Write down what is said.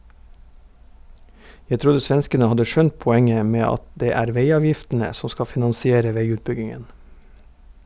Jeg trodde svenskene hadde skjønt poenget med at det er veiavgiftene som skal finansiere veiutbyggingen.